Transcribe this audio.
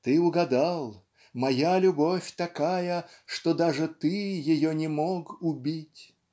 Ты угадал: моя любовь такая, Что даже ты ее не мог убить.